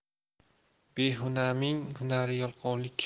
behunaming hunari yalqovlik